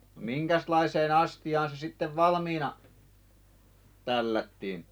minkäslaiseen astiaan se sitten valmiina tällättiin